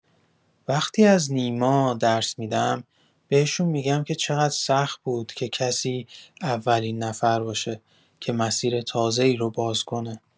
وقتی از نیما درس می‌دم، بهشون می‌گم که چقدر سخت بود که کسی اولین نفر باشه، که مسیر تازه‌ای رو باز کنه.